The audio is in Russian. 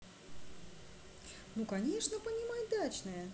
ну конечно понимать дачное